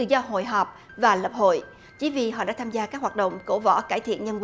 do hội họp và lập hội chỉ vì họ đã tham gia các hoạt động của vỏ cải thiện nhân